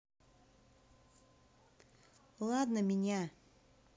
ладно меня